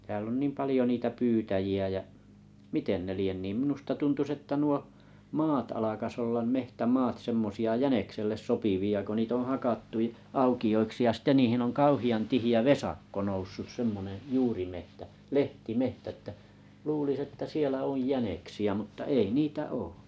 täällä on niin paljon niitä pyytäjiä ja miten ne lie niin minusta tuntuisi että nuo maat alkaisi olla metsämaat semmoisia jänikselle sopivia kun niitä on hakattu - aukioiksi ja sitten niihin on kauhean tiheä vesakko noussut semmoinen juurimetsä lehtimetsä että luulisi että siellä on jäniksiä mutta ei niitä ole